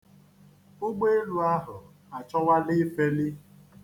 Ụgbọelu ahụ achọwala ifeli.